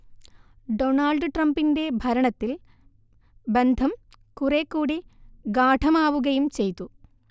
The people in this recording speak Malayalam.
ഡൊണാൾഡ് ട്രംപിന്റെ ഭരണത്തിൽ ബന്ധം കുറേക്കൂടി ഗാഢമാവുകയും ചെയ്തു